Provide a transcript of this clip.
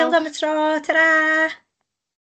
am y tro, tara!